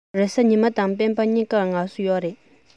རེས གཟའ ཉི མ དང སྤེན པ གཉིས ཀར ངལ གསོ ཡོད རེད